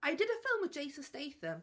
I did a film with Jason Statham